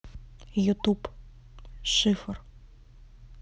ютуб шифр